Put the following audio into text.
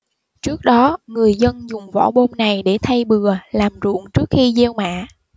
trước đó người dân dùng vỏ bom này để thay bừa làm ruộng trước khi gieo mạ